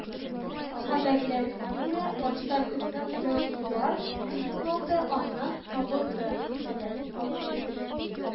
Хәбәрләренә күрә, башта безнең язулар югалды, аннан табылды, диделәр